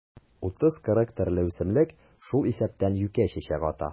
30-40 төрле үсемлек, шул исәптән юкә чәчәк ата.